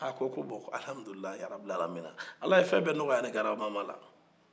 a ko ko bɔn alihamidulilahi arabialamina ala ye fɛn bɛɛ nɔgɔya ne garabamama ye